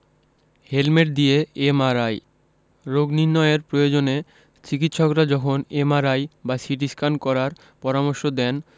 helmet দিয়ে MRI রোগ নির্নয়ের প্রয়োজনে চিকিত্সকরা যখন এমআরআই বা সিটিস্ক্যান করার পরামর্শ দেন